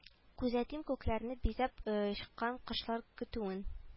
Күзәтим күкләрне бизәп очкан кошлар көтүен